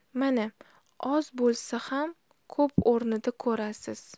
mana oz bo'lsa ko'p o'rnida ko'rasiz